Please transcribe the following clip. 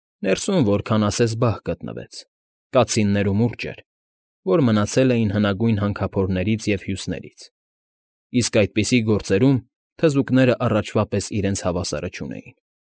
Ներսում որքան ասես բահ գտնվեց, կացիններ ու մուրճեր, որ մնացել էին հնագույն հանքափորներից և հյուսներից, իսկ այդպիսի գործերում թզուկներն առաջվա պես իրենց հավասարը չունեին։